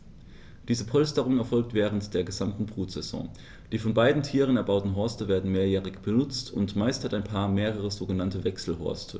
Diese Polsterung erfolgt während der gesamten Brutsaison. Die von beiden Tieren erbauten Horste werden mehrjährig benutzt, und meist hat ein Paar mehrere sogenannte Wechselhorste.